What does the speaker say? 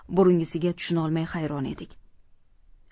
bugungisiga tushunolmay hayron edik